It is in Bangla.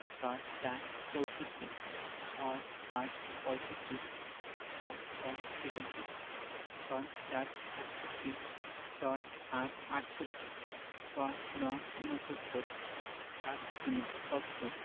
৬৪ – চৌষট্টি ৬৫ – পয়ষট্টি ৬৬ – ছেষট্টি ৬৭ – সাতষট্টি ৬৮ – আটষট্টি ৬৯ – ঊনসত্তর ৭০ - সত্তর